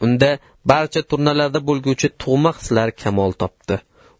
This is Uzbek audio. unda barcha turnalardek bo'lguvchi tug'ma hislar kamol topdi